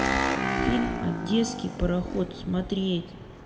фильм одесский пароход смотреть